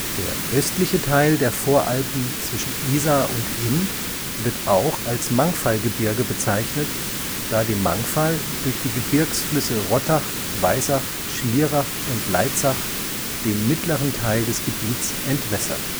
Der östliche Teil der Voralpen zwischen Isar und Inn wird auch als Mangfallgebirge bezeichnet, da die Mangfall durch die Gebirgsflüsse Rottach, Weißach, Schlierach und Leitzach den mittleren Teil des Gebiets entwässert